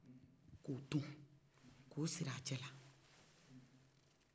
k'o tun ko siri a cɛla